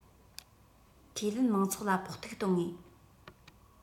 ཁས ལེན དམངས ཚོགས ལ ཕོག ཐུག གཏོང ངེས